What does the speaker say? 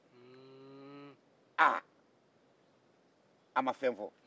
a ma fɛn fɔ